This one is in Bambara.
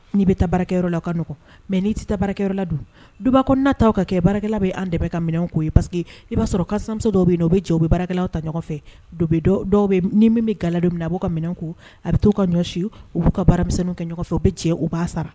N'i bɛ ta baarakɛyɔrɔ la ka ɲɔgɔn mɛ n'i tɛ baarakɛyɔrɔ la don duba kɔnɔ n'' ka kɛ bara bɛ an de ka minɛn ko paseke i b'a sɔrɔ dɔw bɛ yen u bɛ cɛw bɛ bara ta ɲɔgɔn fɛ dɔw ni min bɛ ga dɔ min u'u ka minɛn ko a bɛ taa' ka ɲɔ si u b' ka baramisɛn kɛ fɛ u bɛ cɛ u b' sara